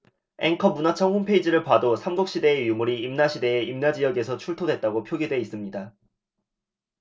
앵커 문화청 홈페이지를 봐도 삼국시대의 유물이 임나시대에 임나지역에서 출토됐다고 표기돼 있습니다